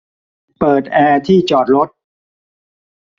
เปิดแอร์ที่จอดรถ